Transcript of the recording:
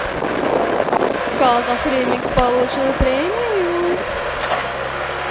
kazakh ремикс получил премию